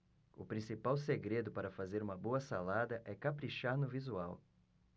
o principal segredo para fazer uma boa salada é caprichar no visual